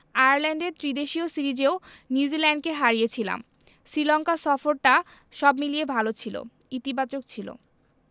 আয়ারল্যান্ডে ত্রিদেশীয় সিরিজেও নিউজিল্যান্ডকে হারিয়েছিলাম শ্রীলঙ্কা সফরটা সব মিলিয়ে ভালো ছিল ইতিবাচক ছিল